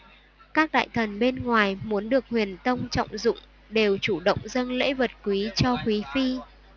các đại thần bên ngoài muốn được huyền tông trọng dụng đều chủ động dâng lễ vật quý cho quý phi